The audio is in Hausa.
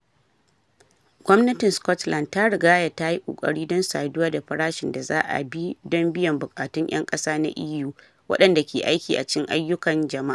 Gwamnatin Scotland ta rigaya ta yi ƙoƙari don saduwa da farashin da za a bi don biyan bukatun 'yan ƙasa na EU waɗanda ke aiki a cikin ayyukan jama'a.